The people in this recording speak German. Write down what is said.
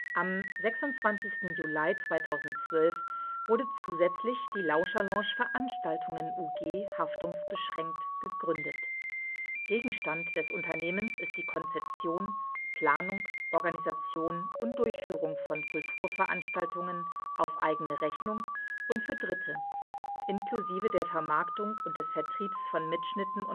Am 26. Juli 2012 wurde zusätzlich die Lauscherlounge Veranstaltungen UG (haftungsbeschränkt) gegründet. Gegenstand des Unternehmens ist die Konzeption, Planung, Organisation und Durchführung von Kulturveranstaltungen auf eigene Rechnung und für Dritte, inklusive der Vermarktung und des Vertriebs von Mitschnitten